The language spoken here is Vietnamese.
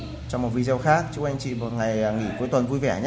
hẹn gặp lại anh chị trong video khác chúc anh chị cuối tuần vui vẻ